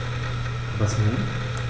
Was nun?